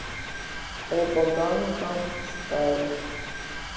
опа гангам стайл